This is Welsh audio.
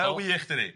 Ma'n wych dydi.